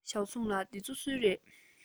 ཞའོ སུང ལགས འདི ཚོ སུའི རེད